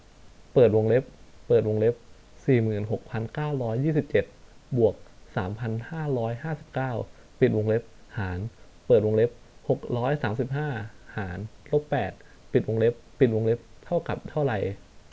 เปิดวงเล็บเปิดวงเล็บสี่หมื่นหกพันเก้าร้อยยี่สิบเจ็ดบวกสามพันห้าร้อยห้าสิบเก้าปิดวงเล็บหารเปิดวงเล็บหกร้อยสามสิบห้าหารลบแปดปิดวงเล็บปิดวงเล็บเท่ากับเท่าไร